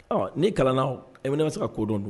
Ɔ n'i kalanna bɛ se ka ko don dun